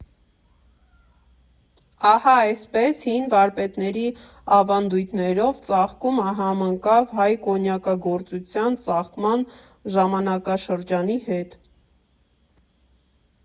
Ահա այսպես, հին վարպետների ավանդույթներով ծաղկումը համընկավ հայ կոնյակագործության ծաղկման ժամանակաշրջանի հետ։